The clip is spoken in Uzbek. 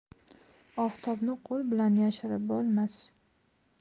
oftobni qo'l bilan yashirib bo'lmas